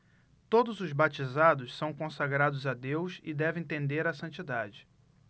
todos os batizados são consagrados a deus e devem tender à santidade